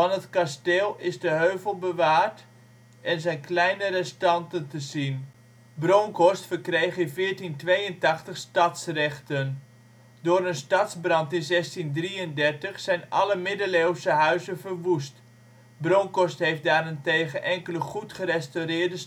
het kasteel is de heuvel bewaard en zijn kleine restanten te zien. Bronkhorst verkreeg in 1482 stadsrechten. Door een stadsbrand in 1633 zijn alle middeleeuwse huizen verwoest; Bronkhorst heeft daarentegen enkele goed gerestaureerde